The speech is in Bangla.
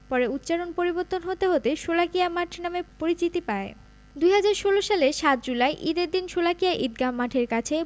পরে উচ্চারণ পরিবর্তন হতে হতে শোলাকিয়া মাঠ নামে পরিচিতি পায় ২০১৬ সালের ৭ জুলাই ঈদের দিন শোলাকিয়া ঈদগাহ মাঠের কাছে